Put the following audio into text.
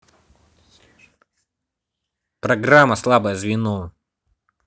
программа слабое звено